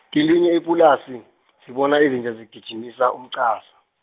kelinye ipulasi, sibona izinja zigijimisa umqasa.